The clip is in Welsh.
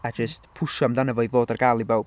A jyst pwsio amdano fo i fod ar gael i bawb.